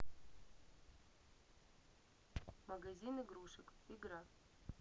магазин игрушек игра